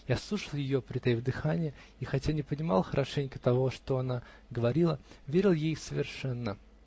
Я слушал ее, притаив дыхание, и, хотя не понимал хорошенько того, что она говорила, верил ей совершенно.